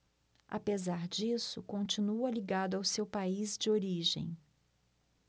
apesar disso continua ligado ao seu país de origem